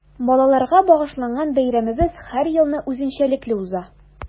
Балаларга багышланган бәйрәмебез һәр елны үзенчәлекле уза.